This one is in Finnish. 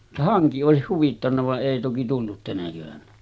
vaan hanki olisi huvittanut vaan ei toki tullut tänä keväänä